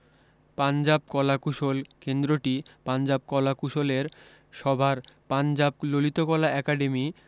পাঞ্জাব কলা কুশল কেন্দ্রটি পাঞ্জাব কলা কুশলের সভার পাঞ্জাব ললিত কলা একাডেমী